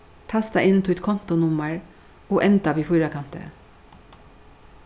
tasta inn títt kontunummar og enda við fýrakanti